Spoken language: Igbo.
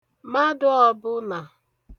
madụ̀ ọbụnà